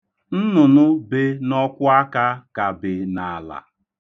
Nnụnụ be n'ọkwụaka ka be n'ala.